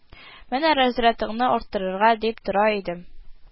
Менә разрятыңны арттырырга дип тора идем